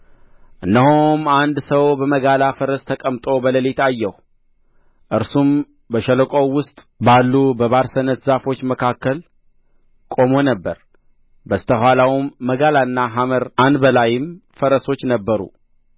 እነሆም አንድ ሰው በመጋላ ፈረስ ተቀምጦ በሌሊት አየሁ እርሱም በሸለቆው ውስጥ ባሉ በባርሰነት ዛፎች መካከል ቆሞ ነበር በስተ ኋላውም መጋላና ሐመር አንባላይም ፈረሶች ነበሩ